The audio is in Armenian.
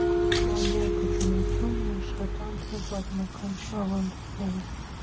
Կոնյակը բնություն է, աշխատանքն ու պատմական ավանդույթները։